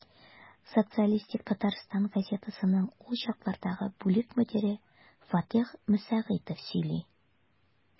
«социалистик татарстан» газетасының ул чаклардагы бүлек мөдире фатыйх мөсәгыйтов сөйли.